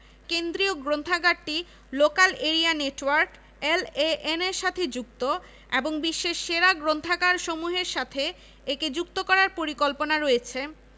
সামাজিক বিজ্ঞান অনুষদের অন্তর্ভুক্ত বিভাগসমূহের মধ্যে আছে সমাজতত্ত্ব সমাজকর্ম নৃবিজ্ঞান অর্থনীতি এবং রাষ্ট্রবিজ্ঞান ও সরকার ব্যবস্থা